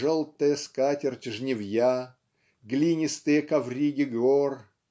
"желтая скатерть жнивья", "глинистые ковриги гор"